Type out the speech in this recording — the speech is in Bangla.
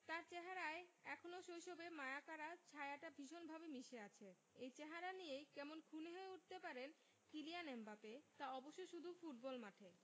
তাঁর চেহারায় এখনো শৈশবের মায়াকাড়া ছায়াটা ভীষণভাবে মিশে আছে এই চেহারা নিয়েই কেমন খুনে হয়ে উঠতে পারেন কিলিয়ান এমবাপ্পে তা অবশ্য শুধু ফুটবল মাঠে